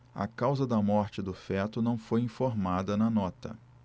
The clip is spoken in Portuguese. a causa da morte do feto não foi informada na nota